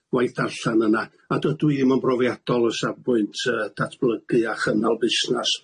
Waith darllan yna, a dydw i'm yn brofiadol o safbwynt yy datblygu a chynnal busnas.